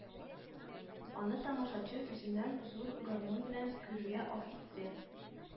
Аны тамашачы үзеннән зур гармун белән күрүгә ах итте